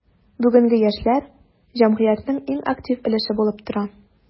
Бүгенге яшьләр – җәмгыятьнең иң актив өлеше булып тора.